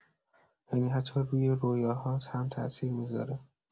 یعنی حتی روی رویاهات هم تاثیر می‌ذاره.